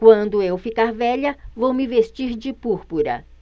quando eu ficar velha vou me vestir de púrpura